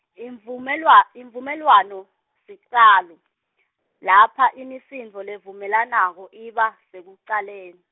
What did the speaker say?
imvumelwa- imvumelwano, sicalo , lapha imisindvo levumelanako iba, sekucaleni.